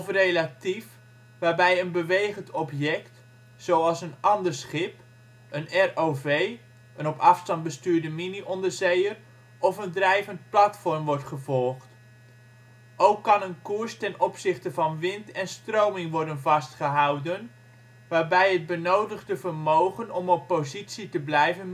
relatief, waarbij een bewegend object, zoals een ander schip, een ROV (op afstand bestuurde mini-onderzeeër) of een drijvend platform, wordt gevolgd. Ook kan een koers ten opzichte van wind en stroming worden vastgehouden waarbij het benodigde vermogen om op positie te blijven